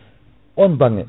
on banggue